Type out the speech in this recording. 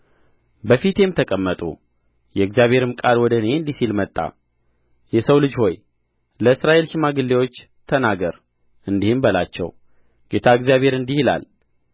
በፊቴም ተቀመጡ የእግዚአብሔርም ቃል ወደ እኔ እንዲህ ሲል መጣ የሰው ልጅ ሆይ ለእስራኤል ሽማግሌዎች ተናገር እንዲህም በላቸው ጌታ እግዚአብሔር እንዲህ ይላል